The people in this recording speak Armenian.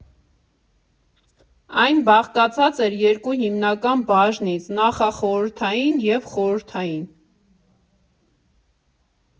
Այն բաղկացած էր երկու հիմնական բաժնից՝ նախախորհրդային և խորհրդային։